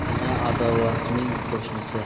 gina adovatning qo'shnisi